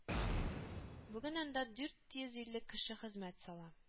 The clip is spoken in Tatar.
Бүген анда дүрт йөз илле кеше хезмәт сала